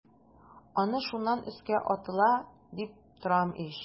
Аны шуннан өскә атыла дип торам ич.